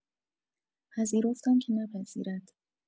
پذیرفتم که نپذیرد.